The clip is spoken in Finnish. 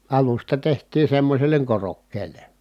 alusta tehtiin semmoiselle korokkeelle